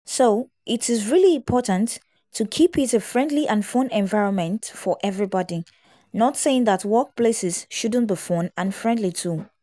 So, it is really important to keep it a friendly and fun environment for everybody (not saying that work places shouldn’t be fun and friendly too…).